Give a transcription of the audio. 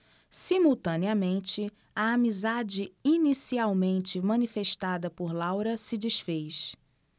simultaneamente a amizade inicialmente manifestada por laura se disfez